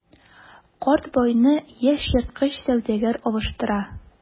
Карт байны яшь ерткыч сәүдәгәр алыштыра.